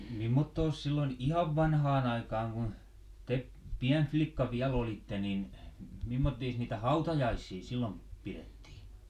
mimmottoos silloin ihan vanhaan aikaan kun te pieni likka vielä olitte niin mimmottoos niitä hautajaisia silloin pidettiin